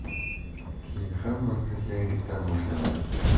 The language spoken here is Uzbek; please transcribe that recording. keyin hammasi yangitdan boshlanadi